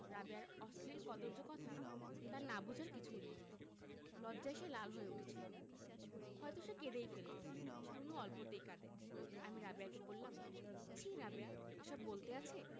রাবেয়ার অশ্লীল কদৰ্য কথা তার না বুঝার কিছুই নেই লজ্জায় সে লাল হয়ে উঠেছিলো হয়তো সে কেঁদেই ফেলতো রুনু অল্পতেই কাঁদে আমি রাবেয়াকে বললাম ছিঃ রাবেয়া এসব বলতে আছে